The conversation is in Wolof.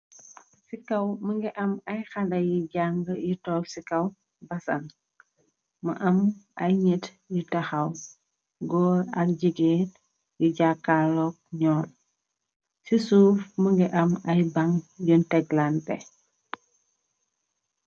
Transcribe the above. Ci kaw mëngi am ay haley yi jàng yu toog ci kaw basan, mu am ay ñet yu tahaw, góor ak jigeen yu jàkkalook ñoom. Ci suuf mëngi am ay bang yun teglanteh.